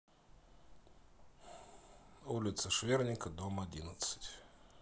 улица шверника дом одиннадцать